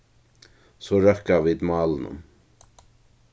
so røkka vit málinum